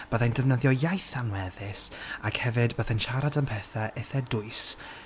Bydda i'n defnyddio iaith anweddus, ac hefyd bydda i'n siarad am pethau itha dwys.